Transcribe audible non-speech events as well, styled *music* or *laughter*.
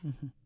*hesitation* *hesitation*